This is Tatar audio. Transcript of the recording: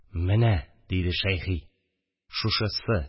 – менә, – диде шәйхи, – шушысы